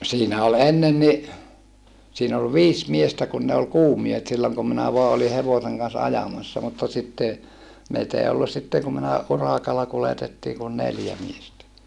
siinä oli ennen niin siinä oli viisi miestä kun ne oli kuumiehet silloin kun minä vain olin hevosen kanssa ajamassa mutta sitten meitä ei ollut sitten kun minä urakalla kuljetettiin kun neljä miestä